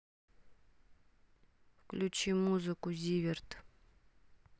включи музыку зиверт